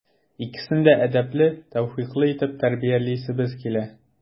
Икесен дә әдәпле, тәүфыйклы итеп тәрбиялисебез килә.